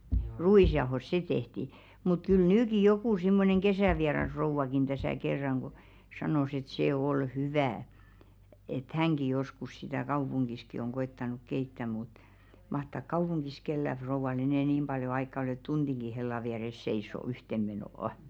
ruisjauhossa se tehtiin mutta kyllä nytkin joku semmoinen kesävierasrouvakin tässä kerran kun sanoi että se oli hyvää että hänkin joskus sitä kaupungissakin on koettanut keittää mutta mahtaako kaupungissa kenelläkään rouvalla enää niin paljon aikaa olla että tunninkin hellan vieressä seisoo yhteen menoon